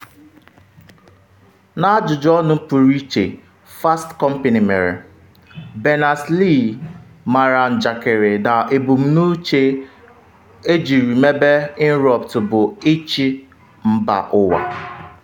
N’ajụjụ ọnụ pụrụ iche Fast Company mere, Berners-Lee mara njakịrị na ebumnuche ejiri mebe Inrupt bụ “ịchị mba ụwa.”